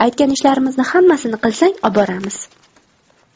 aytgan ishlarimizni hammasini qilsang oboramiz